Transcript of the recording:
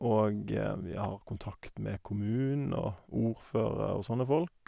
Og vi har kontakt med kommunen og ordførere og sånne folk.